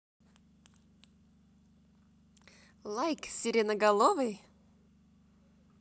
лайк сиреноголовый